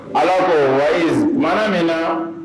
Ala ko wayise mara min na